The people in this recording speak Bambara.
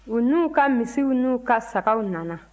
u n'u ka misiw n'u ka sagaw nana